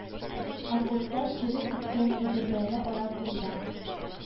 Окопта череп беткән әйберләре арасында